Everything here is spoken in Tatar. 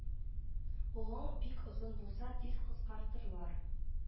Кулың бик озын булса тиз кыскартырлар